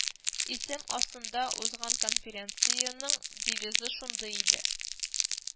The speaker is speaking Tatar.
Исем астында узган конференциянең девизы шундый иде